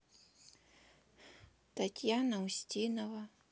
татьяна устинова